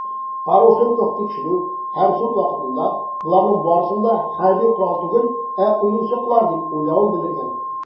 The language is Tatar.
Парушенков тикшерү һәм суд вакытында, боларның барысын да хәрби корал түгел, ә уенчыклар дип уйлавын белдергән.